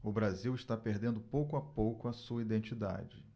o brasil está perdendo pouco a pouco a sua identidade